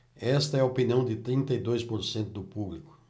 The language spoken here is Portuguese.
esta é a opinião de trinta e dois por cento do público